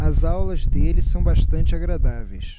as aulas dele são bastante agradáveis